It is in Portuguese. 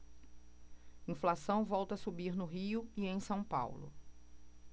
inflação volta a subir no rio e em são paulo